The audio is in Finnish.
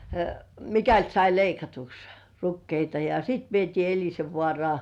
mikäli sai leikatuksi rukiita ja sitten vietiin Elisenvaaraan